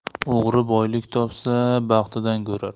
o'g'ri boylik topsa baxtidan ko'rar